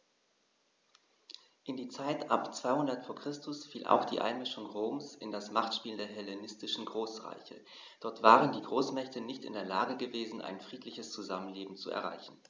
In die Zeit ab 200 v. Chr. fiel auch die Einmischung Roms in das Machtspiel der hellenistischen Großreiche: Dort waren die Großmächte nicht in der Lage gewesen, ein friedliches Zusammenleben zu erreichen.